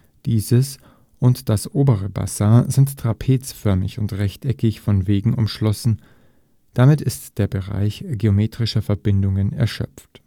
dieses und das obere Bassin sind trapezförmig und rechteckig von Wegen umschlossen. Damit ist der Bereich geometrischer Verbindungen erschöpft